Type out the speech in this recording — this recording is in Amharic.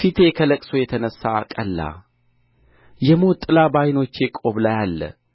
ፊቴ ከልቅሶ የተነሣ ቀላ የሞት ጥላ በዓይኖቼ ቆብ ላይ አለ